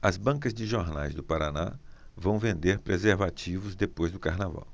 as bancas de jornais do paraná vão vender preservativos depois do carnaval